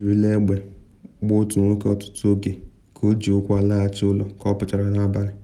Ejirila egbe ikuku wee gbaa otu nwoke ọtụtụ oge ka o ji ụkwụ alaghachi ụlọ ka ọ pụchara n’abalị.